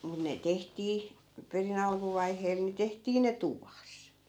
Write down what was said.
mutta ne tehtiin perin alkuvaiheella niin tehtiin ne tuvassa